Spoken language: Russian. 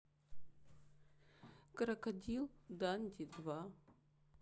крокодил данди два